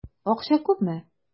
Акча күпме?